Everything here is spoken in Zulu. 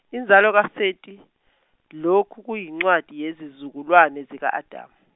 inzalo kaSeti, lokhu kuyincwadi yezizukulwane zika Adamu.